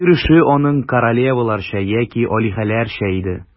Йөреше аның королеваларча яки алиһәләрчә иде.